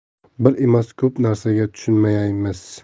bir emas ko'p narsaga tushunmaysiz